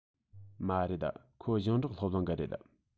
མ རེད ཁོ ཞིང འབྲོག སློབ གླིང གི རེད